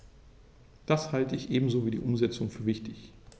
Das halte ich ebenso wie die Umsetzung für wichtig.